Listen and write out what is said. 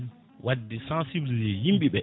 wadde sensibiliser yimɓeɓe